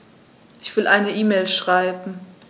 Ich will eine E-Mail schreiben.